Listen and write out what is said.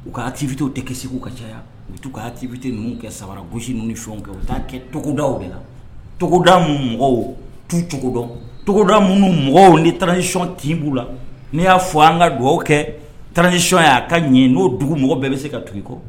U ka tifiw tɛ kɛ segu ka caya u' ka tibite ninnu kɛ samara gosisi ninnu kɛ u taa kɛ togodaw de la cogoda mɔgɔw tu cogo dɔn togoda minnuu mɔgɔw ni tcɔn tinbuu la n'i y'a fɔ an ka dugawu kɛ ticɔn y'a ka ɲɛ n'o dugu mɔgɔ bɛɛ bɛ se ka tugu kɔ